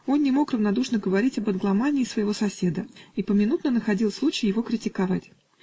Он не мог равнодушно говорить об англомании своего соседа и поминутно находил случай его критиковать.